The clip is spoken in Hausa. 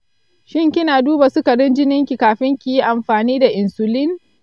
shin kina duba sukarin jinin ki kafin kiyi amfani da insulin?